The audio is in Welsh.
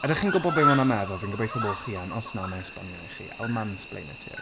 Ydych chi'n gwybod be ma' hwnna'n meddwl? Fi'n gobeithio bo' chi yn, os na, wna i esbonio i chi I'll mansplain it to you.